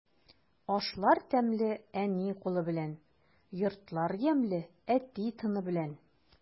Ашлар тәмле әни кулы белән, йортлар ямьле әти тыны белән.